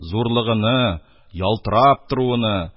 , зурлыгыны, ялтырап торуыны,